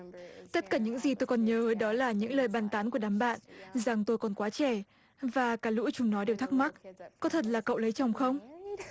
tất cả những gì tôi còn nhớ đó là những lời bàn tán của đám bạn rằng tôi còn quá trẻ và cả lũ chúng nó đều thắc mắc có thật là cậu lấy chồng không